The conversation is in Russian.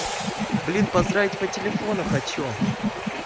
хочу поздравить по телефону блин